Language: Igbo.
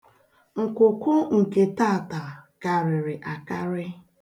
Nkwụkwụ nke taata karịrị akarị.